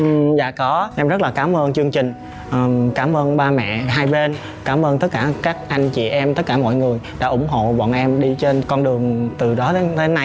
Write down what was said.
dạ có em rất là cám ơn chương trình cám ơn ba mẹ hai bên cám ơn tất cả các anh chị em tất cả mọi người đã ủng hộ bọn em đi trên con đường từ đó đến tới nay